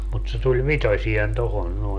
mutta se tuli vitoiseen tuohon noin